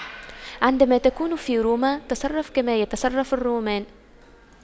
عندما تكون في روما تصرف كما يتصرف الرومان